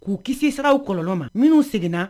K'u kisi siraw kɔlɔlɔ ma minnu seginna